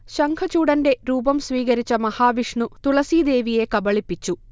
ശംഖചൂഢന്റെ രൂപം സ്വീകരിച്ച മഹാവിഷ്ണു തുളസീദേവിയെ കബളിപ്പിച്ചു